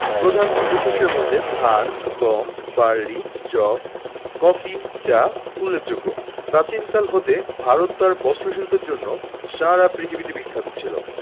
প্রধান খাদ্যশস্যের মধ্যে ধান গম বার্লি যব কফি চা উল্লেখযোগ্য প্রাচীনকাল হতে ভারত তার বস্ত্রশিল্পের জন্য সারা পৃথিবীতে বিখ্যাত ছিল